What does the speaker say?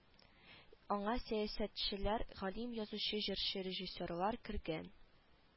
Аңа сәяәсәтчеләр галим язучы җырчы режиссерлар кергән